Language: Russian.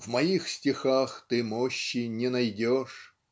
В моих стихах ты мощи не найдешь.